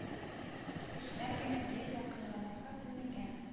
Кешеләр генә бөек вакыйгаларга күнегә